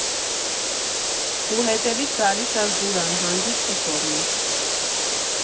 Ու հետևից գալի՜ս ա Զուրան, հանգիստ չի թողնում։